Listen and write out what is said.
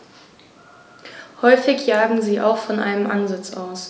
Häufig jagen sie auch von einem Ansitz aus.